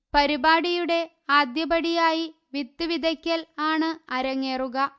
പരിപാടിയുടെ ആദ്യ പടിയായി വിത്ത് വിതയ്ക്കൽ ആണ് അരങ്ങേറുക